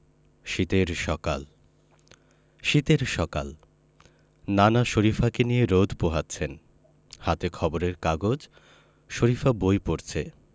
শীতের সকাল শীতের সকাল নানা শরিফাকে নিয়ে রোদ পোহাচ্ছেন হাতে খবরের কাগজ শরিফা বই পড়ছে